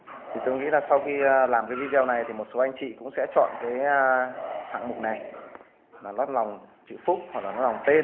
tôi nghĩ là sau khi làm video này thì một số anh chị cũng sẽ chọn hạng mục này lót lòng chữ phúc hoặc lót lòng tên